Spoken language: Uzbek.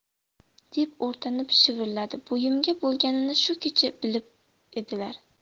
deb o'rtanib shivirladi bo'yimda bo'lganini shu kecha bilib edilar